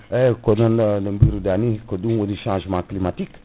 eyyi ko non no biruɗani ko ɗum woni changement climatique